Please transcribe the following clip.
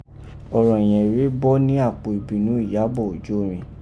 Ọrọ yẹ̀n rèé bọ́ ni apo ibinọ́ Iyabo Ojo rin.